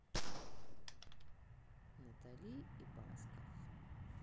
натали и басков